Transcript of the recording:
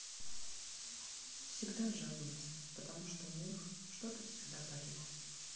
всегда жалуются потому что у них что то всегда болит